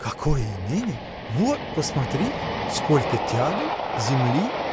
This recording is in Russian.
— Какое имение: вот посмотри, сколько тягл, земли?